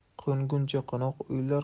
qo'nguncha qo'noq uyalar